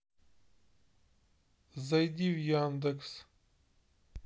зайти в яндекс